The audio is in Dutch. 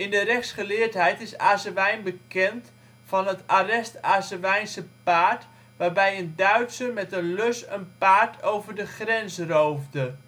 de rechtsgeleerdheid is Azewijn bekend van het arrest Azewijnse paard, waarbij een Duitser met een lus een paard over de grens roofde